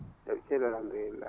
e?e celli alhamdulillahi